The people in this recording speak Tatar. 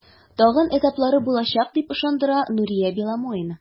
Тагын этаплары булачак, дип ышандыра Нурия Беломоина.